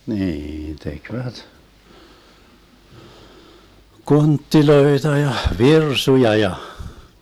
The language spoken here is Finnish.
niin tekivät kontteja ja virsuja ja